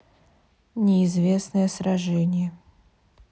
неизвестное сражение